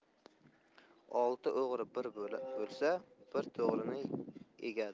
olti o'g'ri bir bo'lsa bir to'g'rini egadi